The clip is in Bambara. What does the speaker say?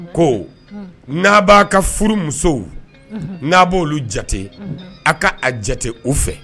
Ko n'a b'a ka furu musow n'a b' olu jate a ka a jate u fɛ